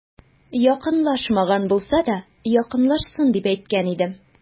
Якынлашмаган булса да, якынлашсын, дип әйткән идем.